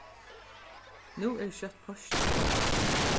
nú eru skjótt páskir